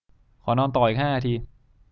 ขอนอนต่ออีกห้านาที